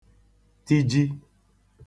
tiji